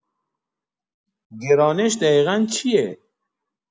گرانش دقیقا چیه؟